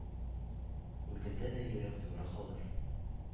Үлгәндә дә йөрәк туры калыр